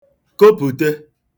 kopùte